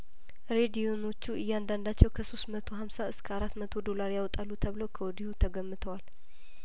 ሬዲዮኖቹ እያንዳንዳቸው ከሶስት መቶ ሀምሳ እስከአራት መቶ ዶላር ያወጣሉ ተብለው ከወዲሁ ተገምተዋል